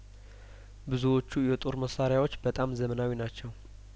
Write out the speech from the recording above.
ብዙዎቹ የጦር መሳሪያዎች በጣም ዘመናዊ ናቸው